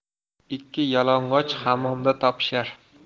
ikki yalang'och hammomda topishar